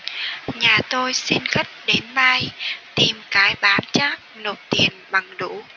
nhà tôi xin khất đến mai tìm cái bán chác nộp tiền bằng đủ